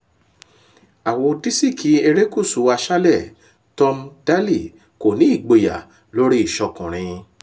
Àwò dísìkì erékùsù aṣálẹ̀: Tom Daley kò ní “ìgboyà” lórí ìṣọkúnrin